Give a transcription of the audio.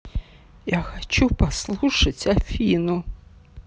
я хочу послушать афину